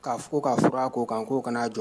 Ka fɔ ko ka fɔ ko kan ko kan'a jɔ